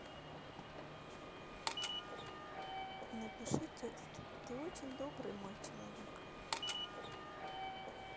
напиши текст ты очень добрый мой человек